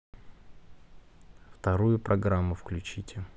вторую программу включите